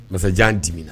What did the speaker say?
Masajan dimina